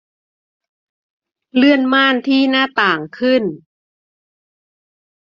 เลื่อนม่านที่หน้าต่างขึ้น